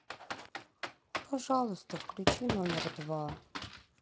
пожалуйста включи номер два